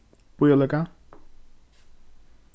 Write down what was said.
bíða líka